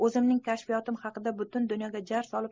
o'zimning kashfiyotim haqida butun dunyoga jar solib